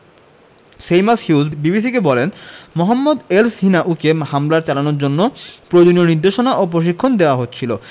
Seamus Hughes বিবিসিকে বলেন মোহাম্মদ এলসহিনাউয়িকে হামলা চালানোর জন্য প্রয়োজনীয় নির্দেশনা ও প্রশিক্ষণ দেওয়া হচ্ছিল